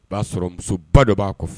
O b'a sɔrɔ musoba dɔ b'a kɔfɛ.